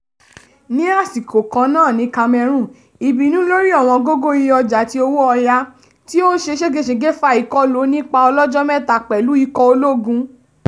Ní àsìkò kan náà ní Cameroon, ìbínú lórí ọ̀wọ́ngógó iye ọjà àti owó ọ̀yà tí ó ń ṣe ṣégeṣège fa ìkọlù onípá ọlọ́jọ́ mẹ́ta pẹ̀lú ikọ̀ ológun.